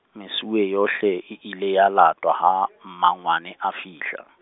mesuwe yohle, e ile ya latwa ha , mmangwane a fihla.